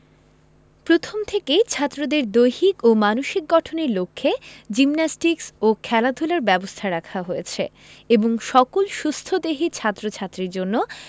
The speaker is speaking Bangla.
প্রথম থেকেই ছাত্রদের দৈহিক ও মানসিক গঠনের লক্ষ্যে জিমনাস্টিকস ও খেলাধুলার ব্যবস্থা রাখা হয়েছে এবং সকল সুস্থদেহী ছাত্র ছাত্রীর জন্য